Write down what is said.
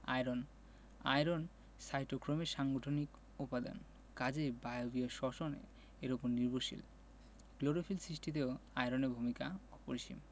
iron iron সাইটোক্রোমের সাংগঠনিক উপাদান কাজেই বায়বীয় শ্বসন এর উপর নির্ভরশীল ক্লোরোফিল সৃষ্টিতেও আয়রনের ভূমিকা অপরিসীম